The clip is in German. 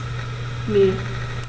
Ne.